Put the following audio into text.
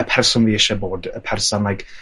y person wi isie bod y person like